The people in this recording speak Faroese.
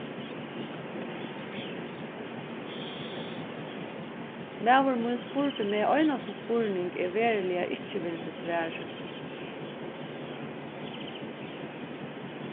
maður mín spurdi meg einasta spurning eg veruliga ikki vildi svara